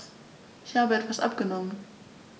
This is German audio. Ich habe etwas abgenommen.